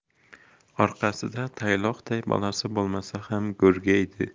orqasida tayloqday bolasi bo'lmasayam go'rgaydi